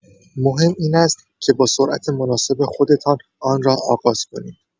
مهم این است که با سرعت مناسب خودتان آن را آغاز کنید.